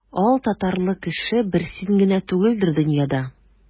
Алтатарлы кеше бер син генә түгелдер дөньяда.